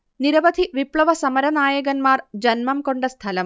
നിരവധി വിപ്ലവ സമരനായകന്മാർ ജന്മം കൊണ്ട സ്ഥലം